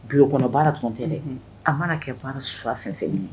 Bulonkɔnɔ baara tun tɛ dɛ a mana kɛ baara su fɛn fɛ